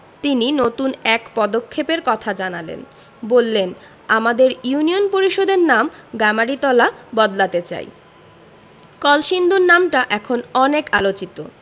তিনি নতুন এক পদক্ষেপের কথা জানালেন বললেন আমরা ইউনিয়ন পরিষদের নাম গামারিতলা বদলাতে চাই কলসিন্দুর নামটা এখন অনেক আলোচিত